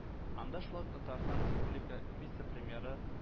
Анда шулай ук татарстан республика вице-премьеры –